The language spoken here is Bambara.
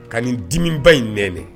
Ka nin dimiba in nɛnɛ